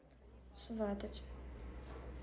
сватать